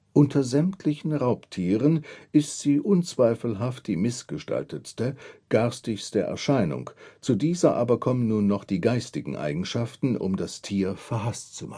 Unter sämmtlichen Raubthieren ist sie unzweifelhaft die mißgestaltetste, garstigste Erscheinung; zu dieser aber kommen nun noch die geistigen Eigenschaften, um das Thier verhaßt zu